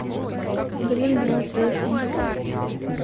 grim два песня